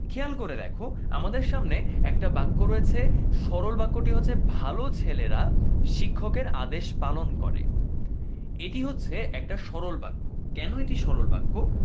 খেয়াল করে দেখো আমাদের সামনে একটা বাক্য রয়েছে সরল বাক্য টি হচ্ছে ভালো ছেলেরা শিক্ষকেরা আদেশ পালন করে এটি হচ্ছে একটা সরল বাক্য কেন এটি সরল বাক্য